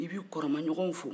i b'i kɔrɔmaɲɔgɔw fo